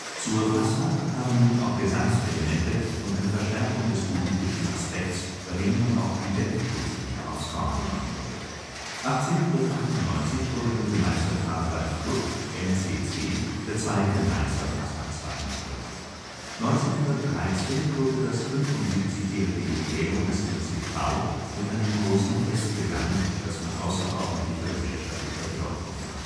Zum Fastnacht kamen nun auch Gesangselemente und eine Verstärkung des politischen Aspekts, bei dem nun auch die Weltpolitik aufs Korn genommen wurde. 1898 wurde mit dem Mainzer Carneval Club (MCC) der zweite Mainzer Fastnachtsverein gegründet. 1913 wurde das 75-jährige Jubiläum des MCV mit einem großen Fest begangen, das von außerordentlicher gesellschaftlicher Bedeutung war